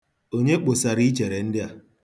Onye kposara ichere ndị a?